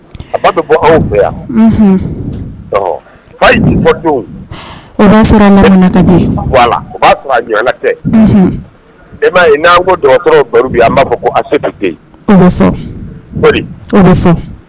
A b'a bɛ bɔ aw fɛ yan o b'a sɔrɔ a ɲɔgɔna tɛ e man ye n'an ko dɔgɔtɔ Baru bɛ yanan b'a fɛɔ ko Asetu den o bɛ fɔ .